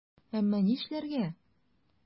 Әмма нишләргә?!